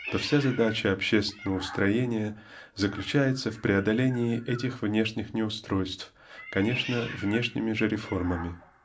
то вся задача общественного устроения заключается в преодолении этих внешних неустройств конечно внешними же реформами.